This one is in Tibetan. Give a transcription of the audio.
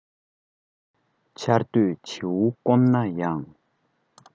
བློན པོ འཇུག པའི ལམ མི འགྲོ